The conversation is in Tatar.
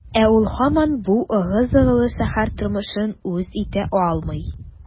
Ә ул һаман бу ыгы-зыгылы шәһәр тормышын үз итә алмый.